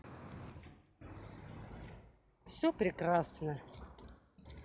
все прекрасно